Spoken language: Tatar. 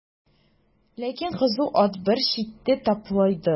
Ләкин кызу ат бер читкә тайпылды.